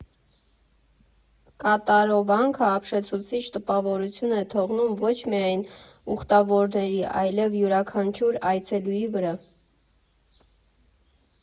Կատարովանքն ապշեցուցիչ տպավորություն է թողնում ոչ միայն ուխտավորների, այլև յուրաքանչյուր այցելուի վրա։